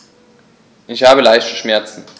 Ich habe leichte Schmerzen.